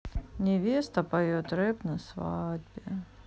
невеста поет рэп на свадьбе